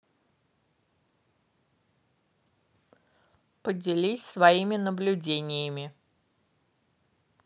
поделись своими наблюдениями